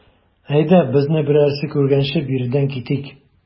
Әйдә, безне берәрсе күргәнче биредән китик.